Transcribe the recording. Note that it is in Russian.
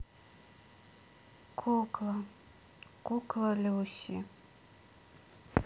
кукла кукла люси